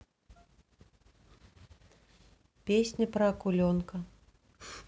песня про акуленка